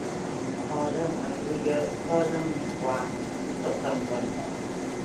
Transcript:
พอเริ่มอายุเยอะก็เริ่มมีความวิตกกังวล